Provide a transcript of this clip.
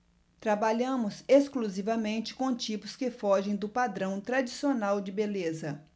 trabalhamos exclusivamente com tipos que fogem do padrão tradicional de beleza